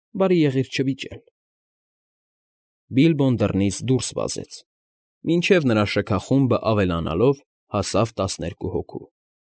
Բարի եղիր չվիճել… Բիլբոն դռնից դուրս վազեց, մինչև նրա շքախումբը ավելանալով հասավ տասներկու հոգու։